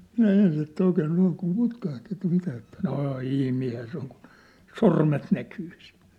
minä ensin että oikein noin kun putkahti että mitä että no ihminenhän se on kun sormet näkyy siellä